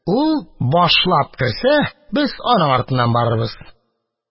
Ул башлап керсә, без аның артыннан барырбыз».